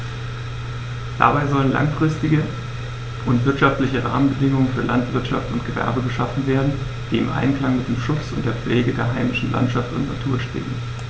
Dabei sollen langfristige und wirtschaftliche Rahmenbedingungen für Landwirtschaft und Gewerbe geschaffen werden, die im Einklang mit dem Schutz und der Pflege der heimischen Landschaft und Natur stehen.